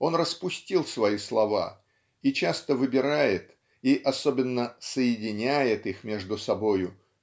он распустил свои слова и часто выбирает и особенно соединяет их между собою